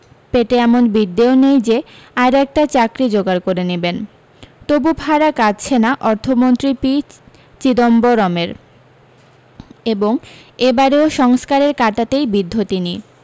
পেটে এমন বিদ্যেও নেই যে আর একটা চাকরী জোগাড় করে নেবেন তবু ফাঁড়া কাটছে না অর্থমন্ত্রী পি চিদম্বরমের এবং এ বারেও সংস্কারের কাঁটাতেই বিদ্ধ তিনি